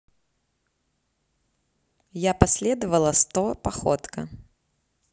я последовала сто походка